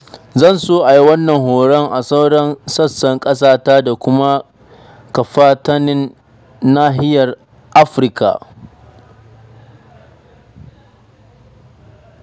Zan so a yi wannan horon a sauran sassan ƙasata da kuma kafatanin nahiyar Afirka.